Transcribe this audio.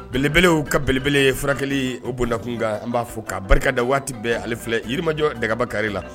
Belebelew ka belebele furakɛli o bondakun kan n b'a fɔ ka barika da waati bɛ ale filɛ yiriirimajɔ dagaba kari la